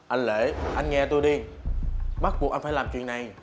anh lễ anh nghe tôi đi bắt buộc anh phải làm chuyện này